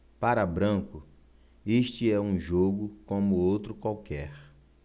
para branco este é um jogo como outro qualquer